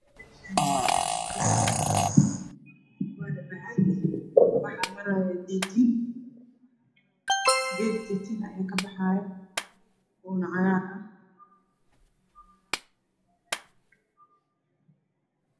Me shan waa meel barxad ah on bacaad ah waxa maraya didiin geed tatiin ah ayaakabaxaya oonacagaar ah